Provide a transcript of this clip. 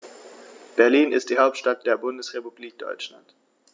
Berlin ist die Hauptstadt der Bundesrepublik Deutschland.